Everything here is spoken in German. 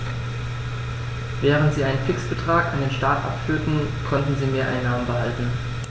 Während sie einen Fixbetrag an den Staat abführten, konnten sie Mehreinnahmen behalten.